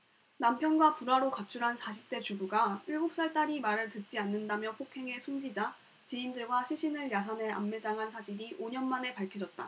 남편과 불화로 가출한 사십 대 주부가 일곱 살 딸이 말을 듣지 않는다며 폭행해 숨지자 지인들과 시신을 야산에 암매장한 사실이 오 년만에 밝혀졌다